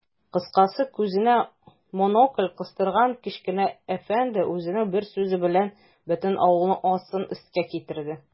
Кыскасы, күзенә монокль кыстырган кечкенә әфәнде үзенең бер сүзе белән бөтен авылның астын-өскә китерде.